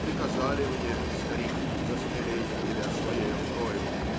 Приказали мне, старик, застрелить тебя своей рукой